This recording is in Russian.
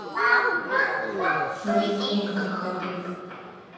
грустинка хабиб